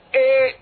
Ɛɛ